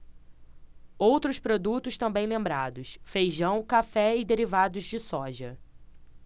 outros produtos também lembrados feijão café e derivados de soja